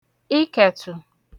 ikẹ̀tù